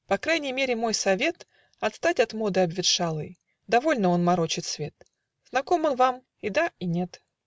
По крайней мере мой совет: Отстать от моды обветшалой. Довольно он морочил свет. - Знаком он вам? - И да и нет.